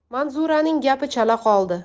manzuraning gapi chala qoldi